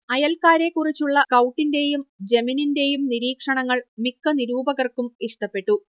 അയൽക്കാരെക്കുറിച്ചുള്ള സ്കൗട്ടിന്റെയും ജെമിനിന്റെയും നിരീക്ഷണങ്ങൾ മിക്ക നിരൂപകർക്കും ഇഷ്ടപ്പെട്ടു